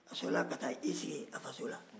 a sɔrɔla ka taa i sigi a faso la